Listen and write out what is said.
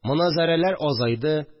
Моназарәләр азайды